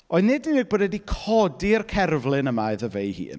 Oedd nid unig bod e wedi codi'r cerflun yma, iddo fe ei hun.